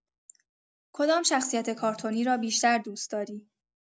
کدام شخصیت کارتونی را بیشتر دوست‌داری؟